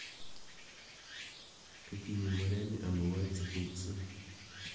какими морями омывается турция